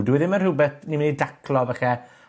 Dyw e ddim yn rhwbeth ni myn' daclo falle